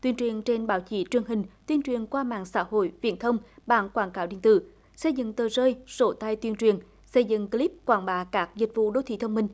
tuyên truyền trên báo chí truyền hình tuyên truyền qua mạng xã hội viễn thông bảng quảng cáo điện tử xây dựng tờ rơi sổ tay tuyên truyền xây dựng cờ líp quảng bá các dịch vụ đô thị thông minh